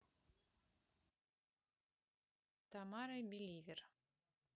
тамарой believer